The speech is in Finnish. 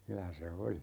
kyllä se oli